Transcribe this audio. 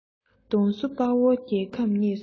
གདོང བསུ དཔའ བོ རྒྱལ ཁམས ཉེས སུ ཁག